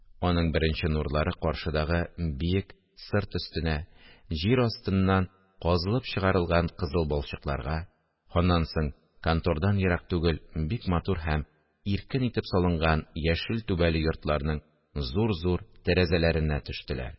Аның беренче нурлары каршыдагы биек сырт өстенә, җир астыннан казылып чыгарылган кызыл балчыкларга, аннан соң контордан ерак түгел бик матур һәм иркен итеп салынган яшел түбәле йортларның зур-зур тәрәзәләренә төштеләр